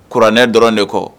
Kuranɛ dɔrɔn de kɔ